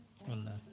wallay